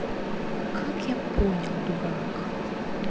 как я понял дурак